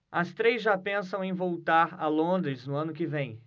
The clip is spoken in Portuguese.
as três já pensam em voltar a londres no ano que vem